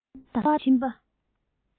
གློ བ དང མཆིན པ